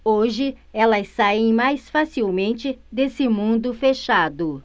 hoje elas saem mais facilmente desse mundo fechado